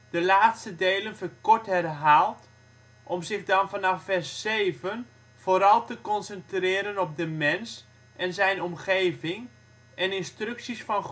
de laatste delen verkort herhaalt, om zich dan vanaf vers 7 vooral te concentreren op de mens en zijn omgeving en instructies van